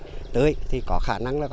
tưới thì có khả năng là